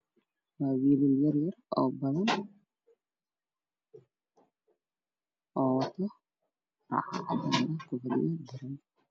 Waa wiilal yar yar oo badan oo wato dhar cacadaan ah